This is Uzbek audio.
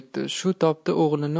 shu topda o'g'lini